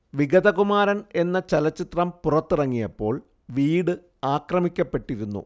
വിഗതകുമാരൻ എന്ന ചലച്ചിത്രം പുറത്തിറങ്ങിയപ്പോൾ വീട് ആക്രമിക്കപ്പെട്ടിരുന്നു